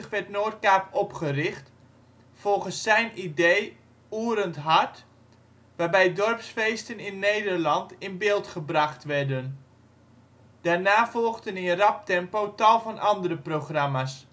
werd Noordkaap opgericht, volgens zijn idee Oerend Hard, waarbij dorpsfeesten in Nederland in beeld gebracht werden. Daarna volgden in rap tempo tal van andere programma’ s